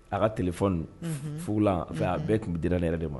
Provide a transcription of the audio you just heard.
A ka tf fu la fɛ a bɛɛ tun bɛ di ne yɛrɛ de ma